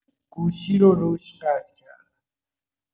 گوشی رو روش قطع کردم.